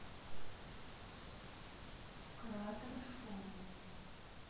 кратер шоу